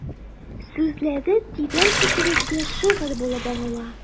Сүзләре тирән кичерешле шигырь булып агыла...